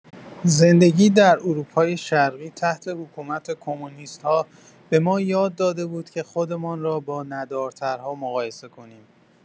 زندگی در اروپای شرقی تحت حکومت کمونیست‌ها به ما یاد داده بود که خودمان را با ندارترها مقایسه کنیم.